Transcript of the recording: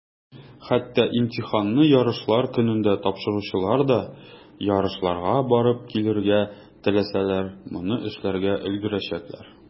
Хәтта имтиханны ярышлар көнендә тапшыручылар да, ярышларга барып килергә теләсәләр, моны эшләргә өлгерәчәкләр.